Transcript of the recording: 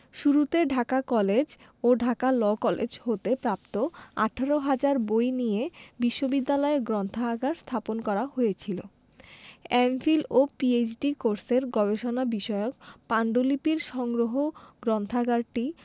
শুরুতে ঢাকা কলেজ ও Dhaka law college হতে প্রাপ্ত ১৮ হাজার বই নিয়ে বিশ্ববিদ্যালয় গ্রন্থাগার স্থাপন করা হয়েছিল এম.ফিল ও পিএইচ.ডি কোর্সের গবেষণা বিষয়ক পান্ডুলিপির সংগ্রহ গ্রন্থাগারটি